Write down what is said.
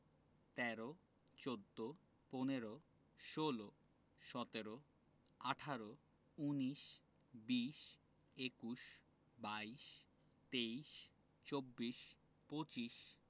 ১৩ তেরো ১৪ চৌদ্দ ১৫ পনেরো ১৬ ষোল ১৭ সতেরো ১৮ আঠারো ১৯ উনিশ ২০ বিশ ২১ একুশ ২২ বাইশ ২৩ তেইশ ২৪ চব্বিশ ২৫ পঁচিশ